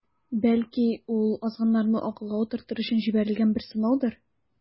Бәлки, ул азгыннарны акылга утыртыр өчен җибәрелгән бер сынаудыр.